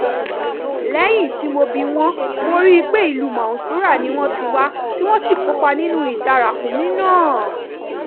Lẹ́yìn tí mo bì wọ́n, mo ríi pé ìlú Mansoura ni wọ́n ti wá tí wọ́n sì kópa nínú "Ìjà Ràkúnmí" náà.